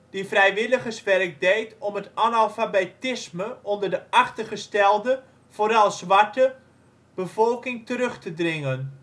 die vrijwilligerswerk deed om het analfabetisme onder de achtergestelde - vooral zwarte - bevolking terug te dringen